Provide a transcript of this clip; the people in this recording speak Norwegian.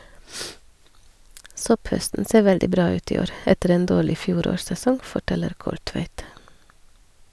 - Sopphøsten ser veldig bra ut i år ,etter en dårlig fjorårssesong, forteller Kolltveit.